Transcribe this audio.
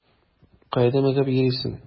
Кая дөмегеп йөрисең?